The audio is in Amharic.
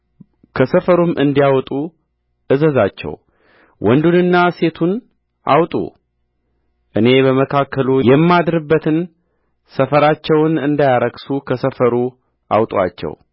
ከሰፈሩ እንዲያወጡ እዘዛቸውወንዱንና ሴቱን አውጡ እኔ በመካከሉ የማድርበትን ሰፈራቸውን እንዳያረክሱ ከሰፈሩ አውጡአቸው